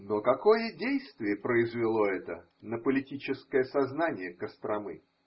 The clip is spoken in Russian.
Но какое действие произвело это на политическое сознание Костромы?